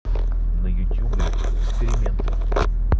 на ютюбе эксперименты